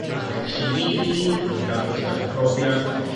ma' dda i dy See Vee di ma'n da os bo' ti bach o brofiad